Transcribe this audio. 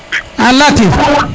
a Latir